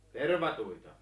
tervattuja